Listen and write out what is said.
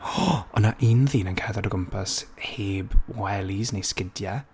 O, o' 'na un ddyn yn cerddod o gwmpas, heb wellies, neu sgidie.